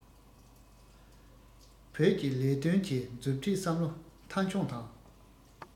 བོད ཀྱི ལས དོན གྱི མཛུབ ཁྲིད བསམ བློ མཐའ འཁྱོངས དང